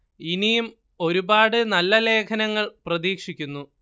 ഇനിയും ഒരുപാട് നല്ല ലേഖനങ്ങൾ പ്രതീക്ഷിക്കുന്നു